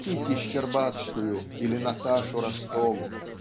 Кити Щербацкую или Наташу Ростову